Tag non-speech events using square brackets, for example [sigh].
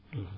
[hesitation]